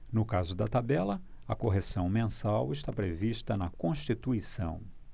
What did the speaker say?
no caso da tabela a correção mensal está prevista na constituição